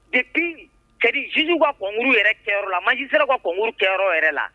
Depuis c'est à dire juges ka concours yɛrɛ kɛyɔrɔ la magistrat ka concorurs kɛyɔrɔ yɛrɛ la